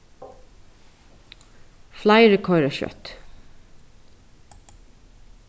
fleiri koyra skjótt